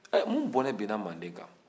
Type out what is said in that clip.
ɛh mun bɔnɛ binna manden kan